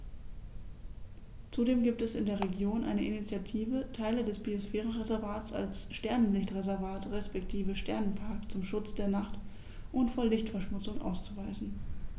Zudem gibt es in der Region eine Initiative, Teile des Biosphärenreservats als Sternenlicht-Reservat respektive Sternenpark zum Schutz der Nacht und vor Lichtverschmutzung auszuweisen.